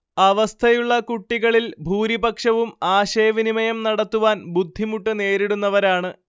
അവസ്ഥയുള്ള കുട്ടികളിൽ ഭൂരിപക്ഷവും ആശയവിനിമയം നടത്തുവാൻ ബുദ്ധിമുട്ട് നേരിടുന്നവരാണ്